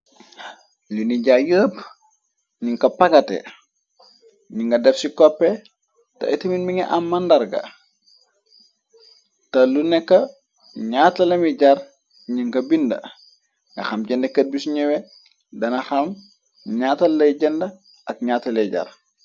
luni jaay yeepp nika pagate ni nga def ci koppe te itamit mi nga am màndarga te lu neka ñaatalami jar ni nga binda nga xam jendkat bi su ñewe dana xam ñaatallay jënd ak ñattaley jar